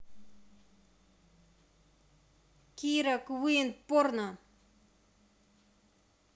kira queen порно